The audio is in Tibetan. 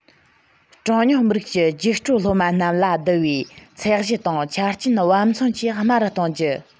གྲངས ཉུང མི རིགས ཀྱི རྒྱུགས སྤྲོད སློབ མ རྣམས ལ བསྡུ བའི ཚད གཞི དང ཆ རྐྱེན བབ མཚུངས ཀྱིས དམའ རུ གཏོང རྒྱུ